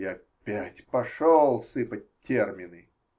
-- и опять пошел сыпать термины.